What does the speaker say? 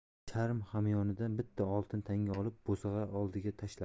charm hamyonidan bitta oltin tanga olib bo'sag'a oldiga tashladi